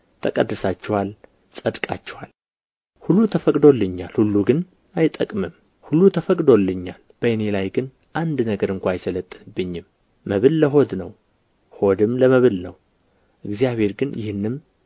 ተቀድሳችኋል ጸድቃችኋል ሁሉ ተፈቅዶልኛል ሁሉ ግን አይጠቅምም ሁሉ ተፈቅዶልኛል በእኔ ላይ ግን አንድ ነገር እንኳ አይሠለጥንብኝም መብል ለሆድ ነው ሆድም ለመብል ነው እግዚአብሔር ግን ይህንም